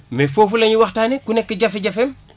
mais foofu la ñu waxtaanee ku nekk jafe-jafeem